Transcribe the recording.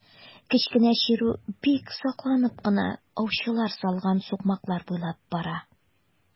Кечкенә чирү бик сакланып кына аучылар салган сукмаклар буйлап бара.